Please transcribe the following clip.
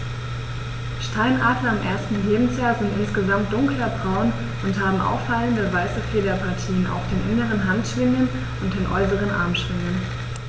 Steinadler im ersten Lebensjahr sind insgesamt dunkler braun und haben auffallende, weiße Federpartien auf den inneren Handschwingen und den äußeren Armschwingen.